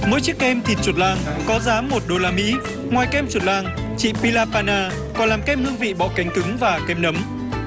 mỗi chiếc kem thịt chuột lang có giá một đô la mỹ ngoài kem chuột lang chị pi la pa na còn làm kem hương vị bọ cánh cứng và kem nấm